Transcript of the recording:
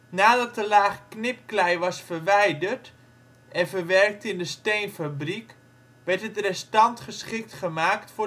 Nadat de laag knipklei was verwijderd en verwerkt in de steenfabriek werd het restant geschikt gemaakt